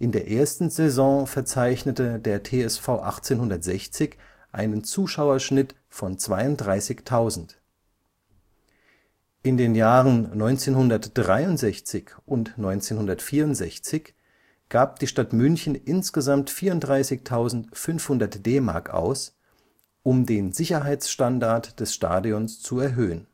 der ersten Saison verzeichnete der TSV 1860 einen Zuschauerschnitt von 32.000. 1963 und 1964 gab die Stadt München insgesamt 34.500 DM aus, um den Sicherheitsstandard des Stadions zu erhöhen